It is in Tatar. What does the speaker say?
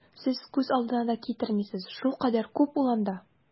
Сез күз алдына да китермисез, шулкадәр күп ул анда!